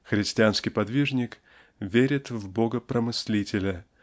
Христианский подвижник верит в Бога-Промыслителя